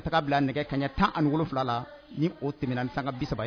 Taga bila nɛgɛ kaɲɛ tan anifila la ni o tɛmɛna saraka kan bi saba ye